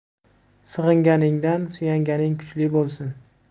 sig'inganingdan suyanganing kuchli bo'lsin